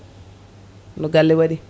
no galle waɗi